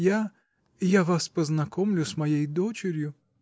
Я. я вас познакомлю с моей дочерью.